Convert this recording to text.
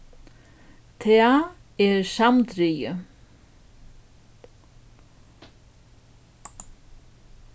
tað er samdrigið